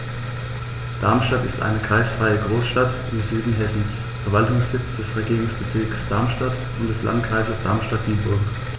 Darmstadt ist eine kreisfreie Großstadt im Süden Hessens, Verwaltungssitz des Regierungsbezirks Darmstadt und des Landkreises Darmstadt-Dieburg.